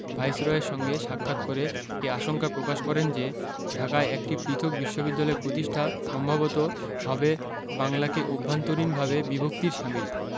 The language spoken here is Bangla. ভাইসরয়ের সঙ্গে সাক্ষাৎ করে এ আশঙ্কা প্রকাশ করেন যে ঢাকায় একটি পৃথক বিশ্ববিদ্যালয় প্রতিষ্ঠা সম্ভবত হবে বাংলাকে অভ্যন্তরীণভাবে বিভক্তির শামিল